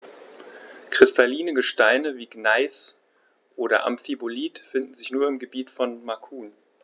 Kristalline Gesteine wie Gneis oder Amphibolit finden sich nur im Gebiet von Macun.